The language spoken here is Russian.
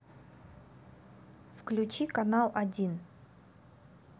включи канал один